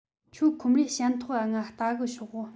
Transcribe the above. ཁྱོད ཁོམ རས ཞན ཐོག ག ངའ ལྟ གི ཤོག གོ